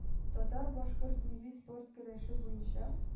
Татар-башкорт милли спорт көрәше буенча